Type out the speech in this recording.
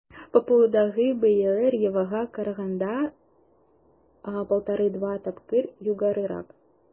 Папуадагы бәяләр Явага караганда 1,5-2 тапкыр югарырак.